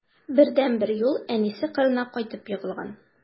Бердәнбер юл: әнисе кырына кайтып егылган.